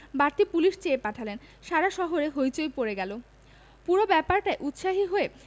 বাড়তি পুলিশ চেয়ে পাঠালেন সারা শহরে হৈ চৈ পড়ে গেল পুরো ব্যাপারটায় উৎসাহী হয়ে